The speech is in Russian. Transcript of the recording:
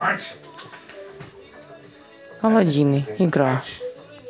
алладины игра